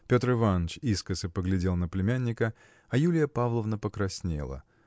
Петр Иваныч искоса поглядел на племянника а Юлия Павловна покраснела.